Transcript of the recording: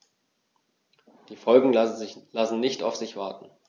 Die Folgen lassen nicht auf sich warten.